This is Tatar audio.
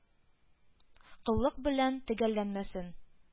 Коллык белән төгәлләнмәсен!